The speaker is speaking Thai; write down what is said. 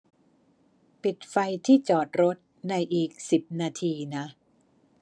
ปิดไฟที่จอดรถในอีกสิบนาทีนะ